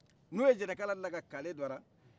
n'u ye jɛnɛ kala dilan ka kale do ala